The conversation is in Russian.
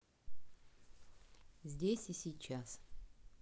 здесь и сейчас